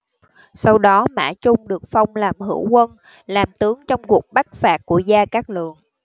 sau đó mã trung được phong làm hữu quân làm tướng trong cuộc bắc phạt của gia cát lượng